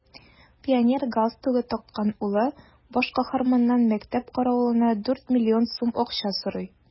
Пионер галстугы таккан улы баш каһарманнан мәктәп каравылына дүрт миллион сум акча сорый.